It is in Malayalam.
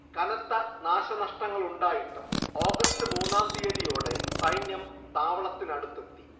കനത്ത നാശനഷ്ടങ്ങളുണ്ടായിട്ടും ഓഗസ്റ്റ് മൂന്നാം തീയതിയോടെ സൈന്യം താവളത്തിനടുത്തെത്തി